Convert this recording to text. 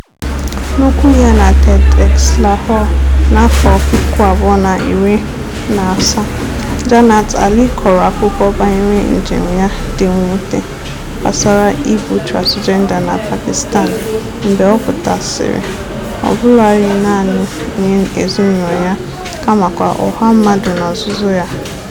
N'okwu ya na TEDxLahore n'afọ 2017, Jannat Ali kọrọ akụkọ banyere njem ya dị mwute gbasara ịbụ transịjenda na Pakistan mgbe ọ pụtasịrị ọ bụlaghị naanị nye ezinụlọ ya kamakwa ọha mmadụ n'ozuzu ya.